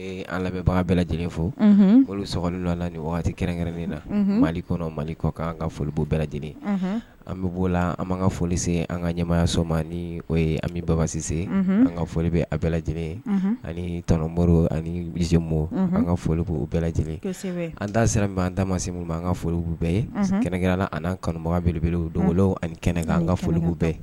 An lamɛnbaga bɛɛ lajɛlen fɔ olu so la nin waati kɛrɛnnen na mali kɔnɔ mali kɔ kan an ka foli' bɛɛ lajɛlen an bɛ' la an ka foli sen an ka ɲɛmaya sɔma ni o ye an babasise an ka foli bɛ a bɛɛla lajɛlen ani tmo anizmo an ka foli'o bɛɛ lajɛlen an sera'an taama semu ma an ka folibu bɛɛ ye kɛnɛkɛ na an kanubaga bɛ u don ani kɛnɛkan an ka foli bɛɛ